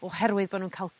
oherwydd bo' nw'n ca'l